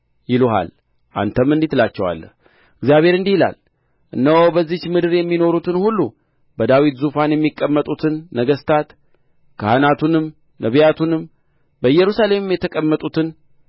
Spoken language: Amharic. ይሉሃል አንተም እንዲህ ትላቸዋለህ እግዚአብሔር እንዲህ ይላል እነሆ በዚህች ምድር የሚኖሩትን ሁሉ በዳዊት ዙፋን የሚቀመጡትን ነገሥታት ካህናቱንም ነቢያቱንም በኢየሩሳሌምም የተቀመጡትን